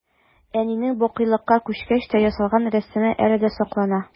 Әнинең бакыйлыкка күчкәч тә ясалган рәсеме әле дә саклана.